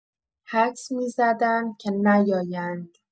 حدس می‌زدم که نیایند.